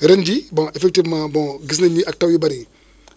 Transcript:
ren jii bon effectivement bon gis nañ ni ak taw yu bëri yi